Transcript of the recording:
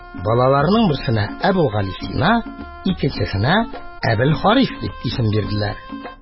Балаларның берсенә — Әбүгалисина, икенчесенә Әбелхарис дип исем бирделәр.